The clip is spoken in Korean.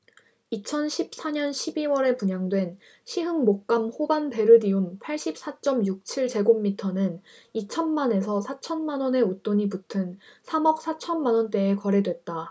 이천 십 사 년 십 이 월에 분양된 시흥목감호반베르디움 팔십 사 쩜 육 칠 제곱미터는 이천 만 에서 사천 만원의 웃돈이 붙은 삼 억 사천 만원대에 거래됐다